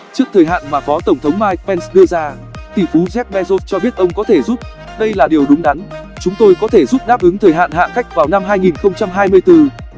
trước thời hạn mà phó tổng thống mike pence đưa ra tỷ phú jeff bezos cho biết ông có thể giúp đây là điều đúng đắn chúng tôi có thể giúp đáp ứng thời hạn hạ cách vào năm